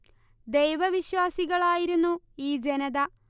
ദൈവ വിശ്വാസികളായിരുന്നു ഈ ജനത